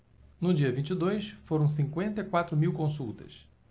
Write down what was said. no dia vinte e dois foram cinquenta e quatro mil consultas